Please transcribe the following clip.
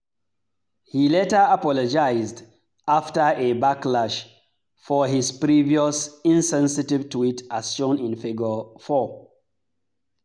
He later apologized, after a backlash, for his previous "insensitive" tweet as shown in Figure 4.